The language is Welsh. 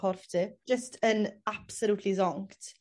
corff ti. Jyst yn absolutely zonct.